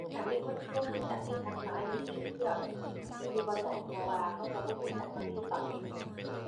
คันมีคนที่บ่รู้จักนี่ ทักมาในโซเชียลนี่ข้อยรู้สิบ่ตอบ เพราะว่ารู้รู้บ่รู้จัก รู้สิไปตอบเฮ็ดหยัง